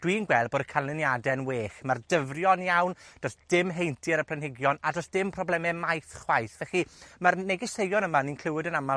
dwi'n gweld bod y canlyniade yn well. Ma'r dyfrio'n iawn. Do's dim hentie ar y planhigion, a do's dim probleme maith chwaith. Felly, ma'r negeseuon yma ni'n clywed yn amal